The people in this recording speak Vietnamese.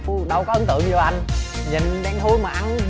đâu có ấn tượng gì đâu anh nhìn đen thui mà anh